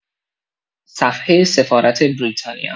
صفحه سفارت بریتانیا